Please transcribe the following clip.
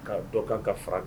K'a dɔ kan ka fan